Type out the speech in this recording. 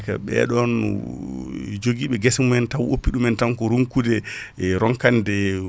ɓeɗon joguiɓe guesse mumen tan taw oppiɗumen tan ko ronkude ronkande